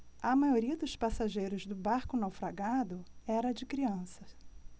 a maioria dos passageiros do barco naufragado era de crianças